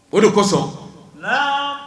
O de kosɔn